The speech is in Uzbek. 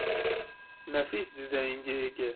nafis dizaynga ega